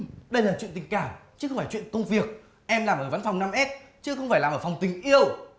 đây là chuyện tình cảm chứ không phải chuyện công việc em làm ở văn phòng năm ét chứ không phải làm ở phòng tình yêu